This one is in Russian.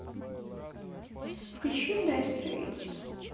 включи дайр стрейтс